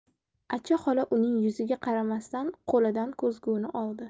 acha xola uning yuziga qaramasdan qo'lidan ko'zguni oldi